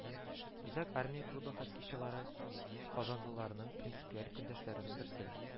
Үзәк армия клубы хоккейчылары казанлыларның принципиаль көндәшләренең берсе